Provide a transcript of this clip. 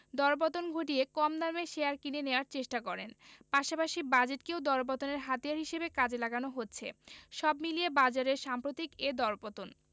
দরপতন ঘটিয়ে কম দামে শেয়ার কিনে নেওয়ার চেষ্টা করেন পাশাপাশি বাজেটকেও দরপতনের হাতিয়ার হিসেবে কাজে লাগানো হচ্ছে সব মিলিয়ে বাজারের সাম্প্রতিক এ দরপতন